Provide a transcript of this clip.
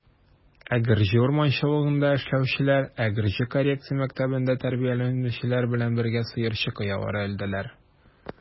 Әгерҗе урманчылыгында эшләүчеләр Әгерҗе коррекция мәктәбендә тәрбияләнүчеләр белән бергә сыерчык оялары элделәр.